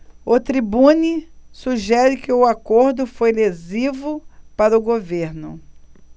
o tribune sugere que o acordo foi lesivo para o governo